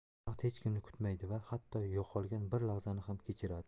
vaqt hech kimni kutmaydi va hatto yo'qolgan bir lahzani ham kechiradi